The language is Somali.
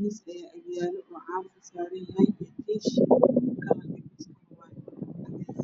Miis ayaa agyaalo oo caafi saaran yahay iyo tiish kalarka miiskana waa cadaan.